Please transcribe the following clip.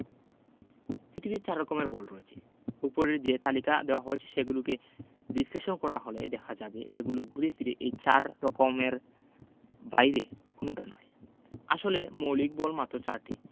পিতিবির চার রকমের বল রয়েছে ওপরে যে তালিকা দেওয়া হয়েছে সেগুলোকে বিশ্লেষণ করা হলে দেখা যাবে এগুলো ঘুরেফিরে এই চার রকমের বাইরে কোনোটা নয় আসলে মৌলিক বল মাত্র চারটি